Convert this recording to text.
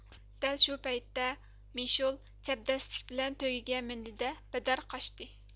دەل شۇ پەيتتە مىشول چەبدەسلىك بىلەن تۆگىگە مىندى دە بەدەر قاچتى